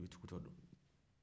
e tugutɔ don